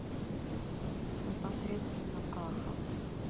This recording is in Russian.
непосредственно каха